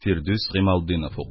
Фирдүс Гыймалтдинов укый